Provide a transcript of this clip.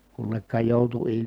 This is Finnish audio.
kunnekka joutui -